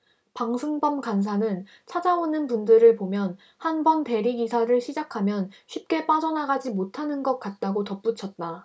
방승범 간사는 찾아오는 분들을 보면 한 번 대리기사를 시작하면 쉽게 빠져나가지 못하는 것 같다고 덧붙였다